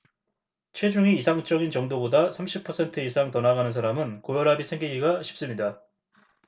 체중이 이상적인 정도보다 삼십 퍼센트 이상 더 나가는 사람은 고혈압이 생기기가 쉽습니다